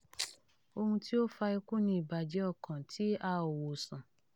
Ohun tí ó ń fa ikú ni ìbàjẹ́ ọkàn tí a ò wò sàn.